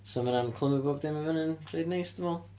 So ma' hwnna'n clymu bod dim i fyny'n reit neis dwi'n meddwl.